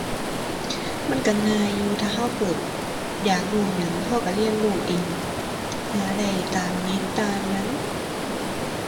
มันก็ง่ายอยู่ถ้าก็เกิดอยากรู้หยัง ก็ก็เรียนรู้เอง หาได้ตามเน็ต ตามหยัง